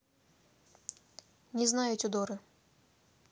не знаю тюдоры